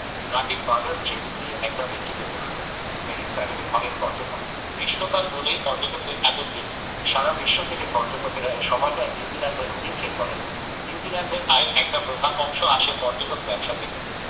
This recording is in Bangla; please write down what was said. রাকিব বার্গার চিপস নিয়ে একটা বেঞ্চিতে বসল মেরিন প্যারেডে অনেক পর্যটক গ্রীষ্মকাল বলেই পর্যটকদের এত ভিড় সারা বিশ্ব থেকে পর্যটকেরা এ সময়টায় নিউজিল্যান্ডে হুমড়ি খেয়ে পড়েন নিউজিল্যান্ডের আয়ের একটা প্রধান অংশ আসে পর্যটন ব্যবসা থেকে